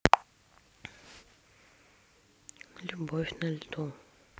любовь на льду